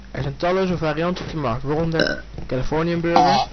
talloze varianten op de markt, waaronder: Californian burger